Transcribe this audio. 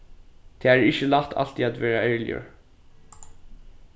tað er ikki so lætt altíð at vera ærligur